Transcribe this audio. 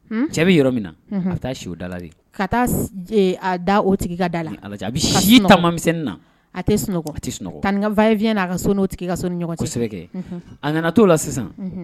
Cɛ bɛ yɔrɔ min a taa si o dala ka a da o tigi ka dala la ala a bɛ si tamamisɛnni na a tɛ sunɔgɔ a tɛ sunɔgɔ kakanfa ye fiy a ka so tigi ka soɔgɔ kosɛbɛ kɛ a nana t'o la sisan